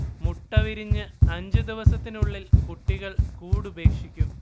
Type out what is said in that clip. മുട്ട വിരിഞ്ഞ് അഞ്ചു ദിവസത്തിനുള്ളിൽ കുട്ടികൾ കൂട് ഉപേക്ഷിക്കും